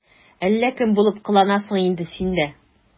Әллә кем булып кыланасың инде син дә...